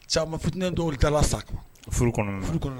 Caaman fitinɛnw dɔw de taara sa, furu kɔnɔna na.